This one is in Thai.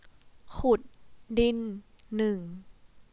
ขุดดินหนึ่ง